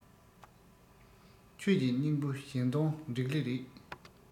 ཆོས ཀྱི སྙིང པོ གཞན དོན འགྲིག ལེ རེད